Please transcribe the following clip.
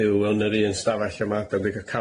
byw yn yr ru'n sdafell yma dio'm 'di cal cawod